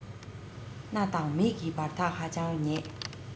སྣ དང མིག གི བར ཐག ཧ ཅང ཉེ